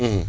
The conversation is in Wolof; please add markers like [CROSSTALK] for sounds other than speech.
[HESITATION] [HESITATION]